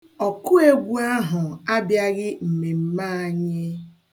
Ọkụegwu ahụ abịaghị mmemme anyị.